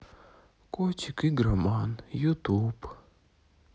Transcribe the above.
котик игроман ютуб